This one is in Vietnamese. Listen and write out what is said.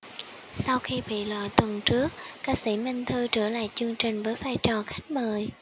sau khi bị loại tuần trước ca sĩ minh thư trở lại chương trình với vai trò khách mời